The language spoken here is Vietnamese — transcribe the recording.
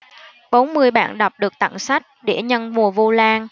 bốn mươi bạn đọc được tặng sách đĩa nhân mùa vu lan